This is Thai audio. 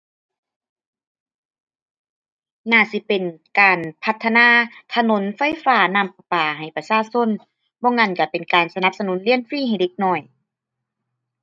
น่าสิเป็นการพัฒนาถนน ไฟฟ้า น้ำประปาให้ประชาชน บ่งั้นก็เป็นการสนับสนุนเรียนฟรีให้เด็กน้อย